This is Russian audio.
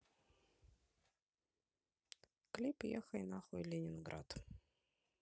клип ехай на хуй ленинград